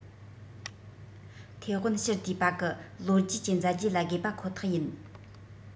ཐའེ ཝན ཕྱིར བསྡུས པ གི ལོ རྒྱུས ཀྱི མཛད རྗེས ལ དགོས པ ཁོ ཐག ཡིན